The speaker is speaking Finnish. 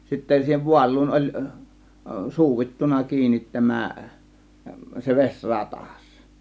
sitten siihen vaaluun oli suudittu kiinni tämä se vesi ratas